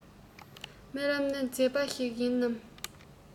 རྨི ལམ ནི མཛེས པ ཞིག ཡིན ནམ